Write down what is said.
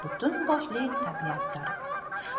butun boshli tabiatdir